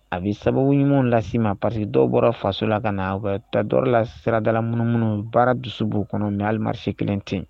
A bɛ sababuɲumanw lasesi ma pari dɔw bɔra faso la ka na u bɛ taa dɔw la sirada minnuum minnu baara dusu b' u kɔnɔ min alimarisi kelen ten